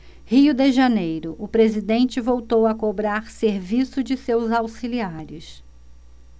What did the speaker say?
rio de janeiro o presidente voltou a cobrar serviço de seus auxiliares